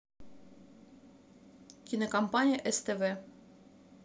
кинокомпания ств